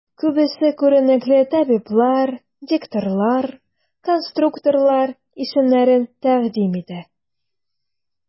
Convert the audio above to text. Күбесе күренекле табиблар, дикторлар, конструкторлар исемнәрен тәкъдим итә.